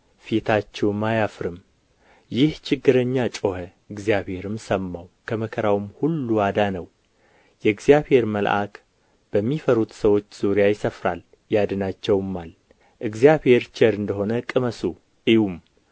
ፊታችሁም አያፍርም ይህ ችግረኛ ጮኸ እግዚአብሔርም ሰማው ከመከራውም ሁሉ አዳነው የእግዚአብሔር መልአክ በሚፈሩት ሰዎች ዙሪያ ይሰፍራል ያድናቸውማል እግዚአብሔር ቸር እንደ ሆነ ቅመሱ እዩም